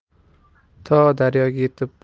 to daryoga yetib